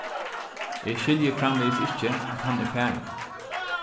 eg skilji framvegis ikki at hann er farin